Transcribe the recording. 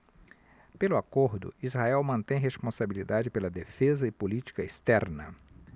pelo acordo israel mantém responsabilidade pela defesa e política externa